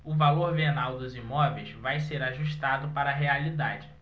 o valor venal dos imóveis vai ser ajustado para a realidade